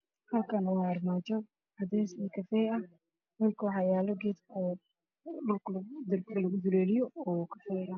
Halkaan waa armaajo midabkeedu uu yahay cadeys iyo kafay ah, dhulka waxaa yaalo kan darbiyada lugu dalooliyo oo kafay ah.